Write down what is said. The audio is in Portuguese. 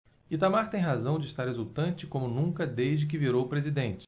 itamar tem razão de estar exultante como nunca desde que virou presidente